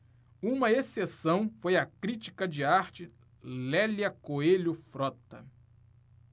uma exceção foi a crítica de arte lélia coelho frota